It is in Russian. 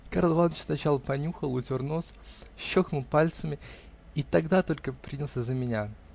Карл Иваныч сначала понюхал, утер нос, щелкнул пальцами и тогда только принялся за меня.